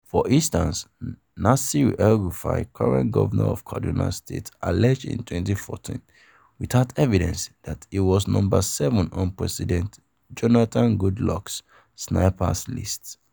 For instance, Nassir El-Rufai, current governor of Kaduna State alleged in 2014 — without evidence — that he was “number 7 on [President Jonathan Goodluck’s] sniper’s list”.